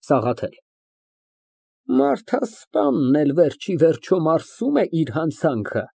ՍԱՂԱԹԵԼ ֊ Մարդասպանն էլ վերջ ի վերջո մարսում է իր հանցանքը։